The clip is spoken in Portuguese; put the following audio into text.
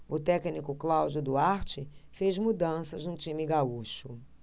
o técnico cláudio duarte fez mudanças no time gaúcho